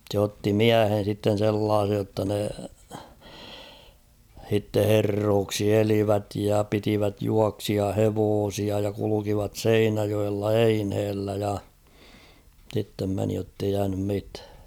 se otti miehen sitten sellaisen jotta ne sitten herroiksi elivät ja pitivät juoksijahevosia ja kulkivat Seinäjoella eineellä ja sitten meni jotta ei jäänyt mitään